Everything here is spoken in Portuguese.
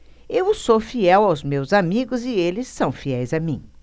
eu sou fiel aos meus amigos e eles são fiéis a mim